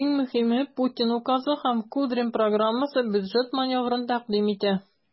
Иң мөһиме, Путин указы һәм Кудрин программасы бюджет маневрын тәкъдим итә.